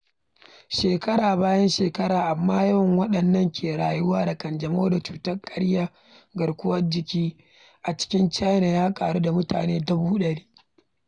Shekara bayan shekara, amma, yawan waɗanda ke rayuwa da ƙanjamau da cutar karya garkuwar jiki a cikin China ya ƙaru da mutane 100,000.